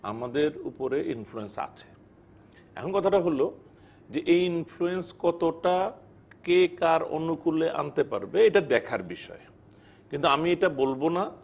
আমাদের উপরে ইনফ্লুয়েন্স আছে এখন কথাটা হল এই ইনফ্লুয়েন্স কতটা কে কার অনুকূলে আনতে পারবে এটা দেখার বিষয কিন্তু আমি এটা বলব না